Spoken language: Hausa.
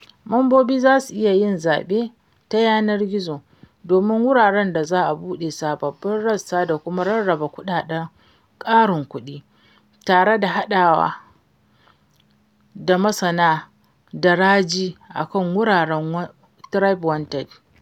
Mambobi za su iya yin zaɓe ta yanar gizo domin wuraren da za a bude sababbin rassa da kuma rarraba kuɗaɗen ƙarin kudi, tare da haɗawa da masana da ragi akan wuraren TribeWanted.